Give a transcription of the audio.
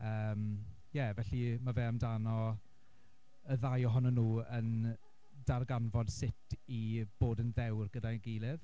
yym ie felly ma' fe amdano y ddau ohonyn nhw yn darganfod sut i bod yn ddewr gyda'i gilydd.